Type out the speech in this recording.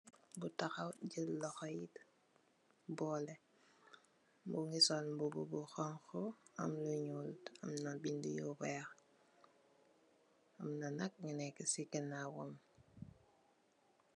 Ku tahaw jël loho yi boolè, mungi sol mbubu bu honku am lu ñuul. Amna bindi yu weeh. Amna nak nu nek ci ganaawam.